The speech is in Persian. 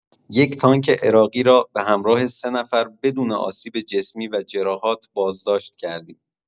یک تانک عراقی را به همراه سه نفر بدون آسیب جسمی و جراحات، بازداشت کردیم.